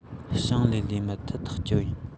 ཞིང ལས ལས མི ཐུབ ཐག ཆོད ཡིན